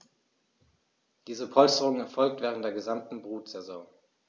Diese Polsterung erfolgt während der gesamten Brutsaison.